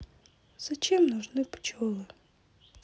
зачем нужны пчелы